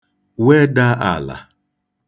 weda àlà